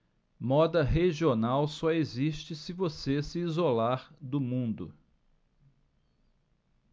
moda regional só existe se você se isolar do mundo